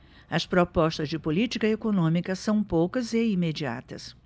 as propostas de política econômica são poucas e imediatas